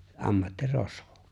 ammattirosvo